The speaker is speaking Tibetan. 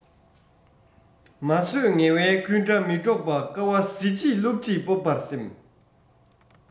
མ བཟོད ངལ བའི འཁུན སྒྲ མི སྒྲོག པ དཀའ བ གཟི བརྗིད སློབ ཁྲིད སྤོབས པར སེམས